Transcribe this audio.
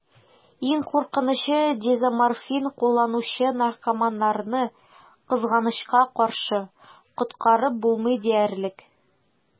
Иң куркынычы: дезоморфин кулланучы наркоманнарны, кызганычка каршы, коткарып булмый диярлек.